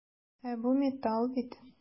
Ә бу металл бит!